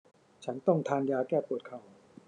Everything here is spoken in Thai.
ฉันต้องทานยาแก้ปวดเข่า